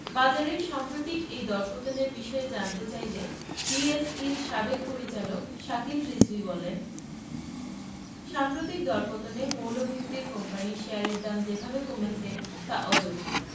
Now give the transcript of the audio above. বাজারের সাম্প্রতিক এ দরপতনের বিষয়ে জানতে চাইলে ডিএসইর সাবেক পরিচালক শাকিল রিজভী বলেন সাম্প্রতিক দরপতনে মৌলভিত্তির কোম্পানির শেয়ারের দাম যেভাবে কমেছে তা অযৌক্তিক